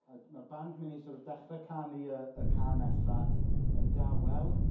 Yy d- ma'r band yn mynd i sort of dechrau canu y y cân nesa yn dawel.